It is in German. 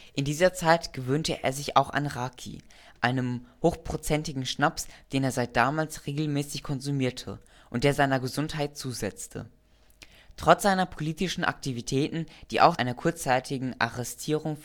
In dieser Zeit gewöhnte er sich auch an Rakı, einen hochprozentigen Schnaps, den er seit damals regelmäßig konsumierte und der seiner Gesundheit zusetzte. Trotz seiner politischen Aktivitäten, die auch zu einer kurzzeitigen Arrestierung